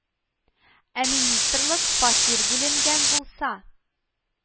Ә министрлык, фатир бүленгән булса